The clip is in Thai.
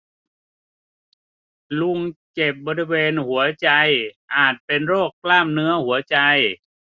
ลุงเจ็บบริเวณหัวใจอาจเป็นโรคกล้ามเนื้อหัวใจ